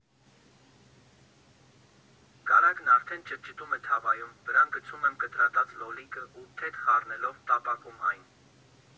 Կարագն արդեն ճտճտում է թավայում, վրան գցում եմ կտրատած լոլիկը ու, թեթև խառնելով, տապակում այն։